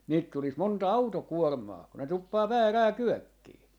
niitä tulisi monta autokuormaa kun ne tuppaa väärään kyökkiin